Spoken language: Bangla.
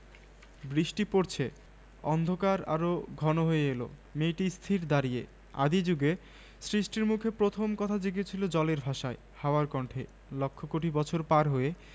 বৃষ্টি পরছে অন্ধকার আরো ঘন হয়ে এল মেয়েটি স্থির দাঁড়িয়ে আদি জুগে সৃষ্টির মুখে প্রথম কথা জেগেছিল জলের ভাষায় হাওয়ার কণ্ঠে লক্ষ কোটি বছর পার হয়ে